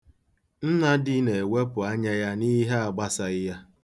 Nnadi na-ewepụ anya ya n'ihe agbasaghị ya.